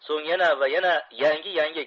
so'ng yana va yana yangi yangi